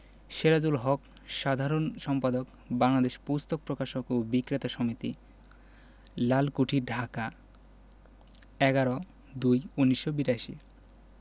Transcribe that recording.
সেরাজুল হক সাধারণ সম্পাদক বাংলাদেশ পুস্তক প্রকাশক ও বিক্রেতা সমিতি লালকুঠি ঢাকা ১১/০২/১৯৮২